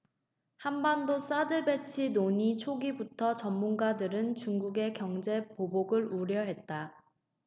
한반도 사드 배치 논의 초기부터 전문가들은 중국의 경제 보복을 우려했다